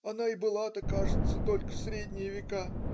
Она и была-то, кажется, только в средние века".